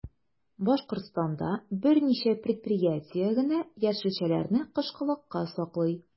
Башкортстанда берничә предприятие генә яшелчәләрне кышкылыкка саклый.